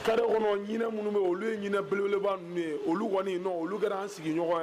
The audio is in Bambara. Carré kɔnɔ ɲinɛn minnu bɛ ye olu ye ɲinɛn belebeleba ninnu de ye olu kɔni non olu kɛra an sigiɲɔgɔn ye.